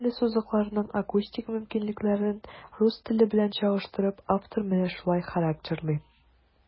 Татар теле сузыкларының акустик мөмкинлекләрен, рус теле белән чагыштырып, автор менә шулай характерлый.